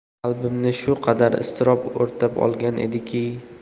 qalbimni shu qadar iztirob o'rtab olgan ediki